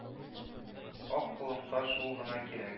Ак колынга шул гына кирәк